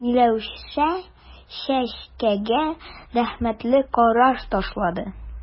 Миләүшә Чәчкәгә рәхмәтле караш ташлады.